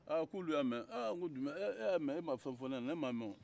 aa k'olu y'a mɛn aa ko dunbuya e y'a mɛn e ma fɛn fɔ ne ye ne ma mɛn o